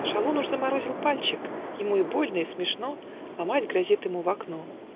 Шалун уж заморозил пальчик: Ему и больно и смешно, А мать грозит ему в окно.